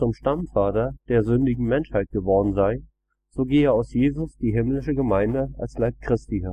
Stammvater der sündigen Menschheit geworden sei, so gehe aus Jesus die himmlische Gemeinde als „ Leib Christi